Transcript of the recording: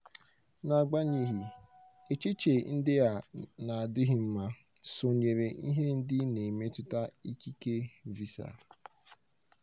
N'agbanyeghị, echiche ndị a n'adịghị mma, sonyere ihe ndị na-emetụta ikike Visa: